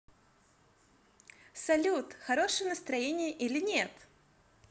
салют хорошее настроение или нет